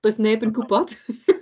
Does neb yn gwybod .